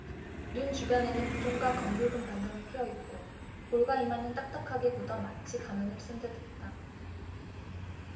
눈 주변에는 부종과 검붉은 반점이 피어 있고 볼과 이마는 딱딱하게 굳어 마치 가면을 쓴 듯했다